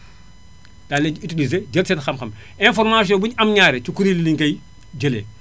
daañu leen ci utilisé jël seen xam-xam information buñu am ñaare ci kuréel yi lañu koy jëlee